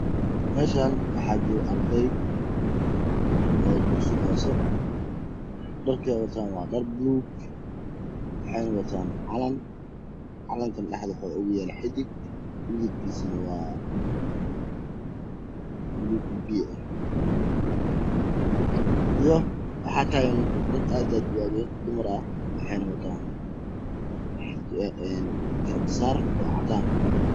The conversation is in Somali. Mashan waa joogo arday oo dusi saro ah dharka eey watan waa baluug waxey gacant kuhayan calanka somali oo ah cadan iyo baluug